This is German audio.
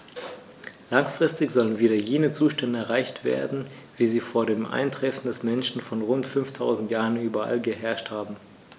Langfristig sollen wieder jene Zustände erreicht werden, wie sie vor dem Eintreffen des Menschen vor rund 5000 Jahren überall geherrscht haben.